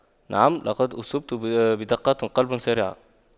نعم لقد أصبت بدقات قلب سريعة